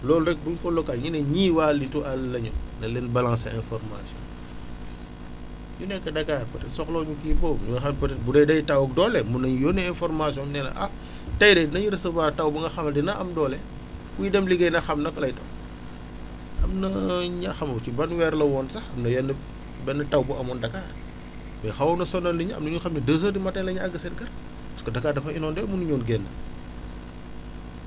loolu rek bu ñu ko loca ñeneen ñii waa nitu àll lañu nañ leen balancer information yi ñi nekk Dakar peut être soxla wu ñu kii boobu nga xam peut être bu dee day taw ak doole mun nañu yónnee infoprmation bi ne la ah tey de nañu recevoir taw bu nga xam ne dina am doole kuy dem liggéey na xam naka lay def am na ñi nga xamul ci ban weer la woon sax am na yenn benn taw bu amoon Dakar mais xawoon na sonal nit ñi am na ñoo xam ne 2 heures du matin la ñu àgg seen kër parce que Dakar dafa innondé mënuñu woon génn